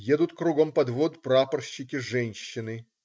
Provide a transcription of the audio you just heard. Едут кругом подвод прапорщики-женщины.